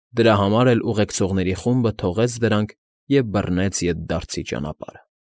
Դրա համար էլ ուղեկցողների խումբը թողեց դրանք և բռնեց ետդարձի ճանապարհը։